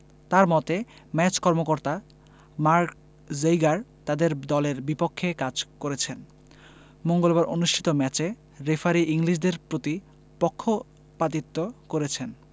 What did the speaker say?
তার মতে ম্যাচ কর্মকর্তা মার্ক জেইগার তাদের দলের বিপক্ষে কাজ করেছেন মঙ্গলবার অনুষ্ঠিত ম্যাচে রেফারি ইংলিশদের প্রতি পক্ষিপাতিত্ব করেছেন